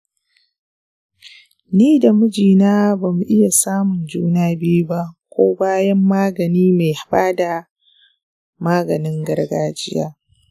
ni da mijina ba mu iya samun juna biyu ba ko bayan maganin mai bada maganin gargajiya.